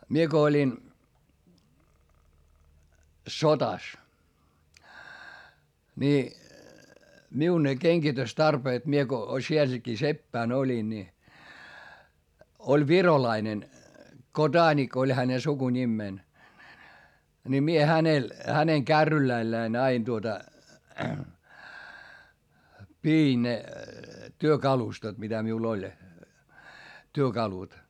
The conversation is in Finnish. minä kun olin sota niin minun ne kengitystarpeet minä kun sielläkin seppänä olin niin oli virolainen Kodanik oli hänen sukunimensä niin minä hänellä hänen kärryillänsä aina tuota pidin ne työkalustot mitä minulla oli työkalut